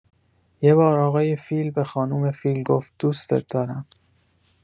یه بار آقای فیل به خانوم فیل گفت دوستت دارم.